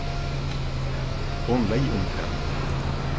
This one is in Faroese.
hon leyg um tað